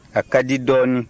a ka di dɔɔnin